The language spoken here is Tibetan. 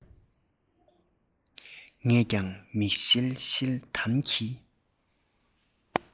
ངས ཀྱང མིག ཤེལ ཤེལ དམ གྱི